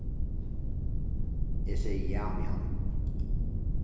eg segði ja við hann